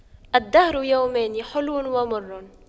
الدهر يومان حلو ومر